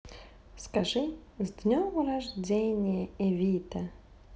скажи с днем рождения эвита